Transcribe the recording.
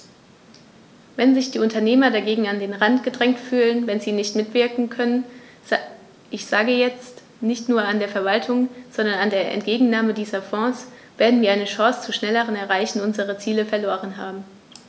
Wenn sich die Unternehmer dagegen an den Rand gedrängt fühlen, wenn sie nicht mitwirken können ich sage jetzt, nicht nur an der Verwaltung, sondern an der Entgegennahme dieser Fonds , werden wir eine Chance zur schnelleren Erreichung unserer Ziele verloren haben.